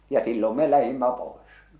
ja silloin me lähdimme pois